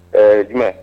Ɛɛ jumɛn